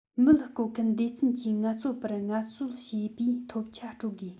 མི བཀོལ མཁན སྡེ ཚན གྱིས ངལ རྩོལ པར ངལ རྩོལ བྱས པའི ཐོབ ཆ སྤྲོད དགོས